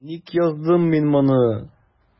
Ник яздым мин моны?